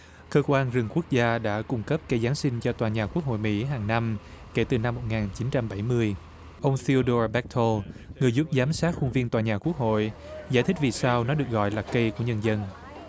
cơ quan rừng quốc gia đã cung cấp cây giáng sinh cho tòa nhà quốc hội mỹ hàng năm kể từ năm một ngàn chín trăm bảy mươi ông siêu đua a bách thô người giúp giám sát khuôn viên tòa nhà quốc hội giải thích vì sao nó được gọi là cây của nhân dân